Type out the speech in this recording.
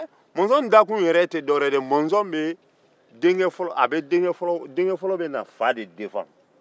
mɔzɔn dakun tɛ dɔwɛrɛ ye dɛ denkɛ fɔlɔ bɛ na fa defan